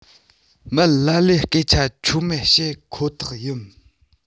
མི ལ ལས སྐད ཆ ཆོ མེད བཤད ཁོ ཐག ཡིན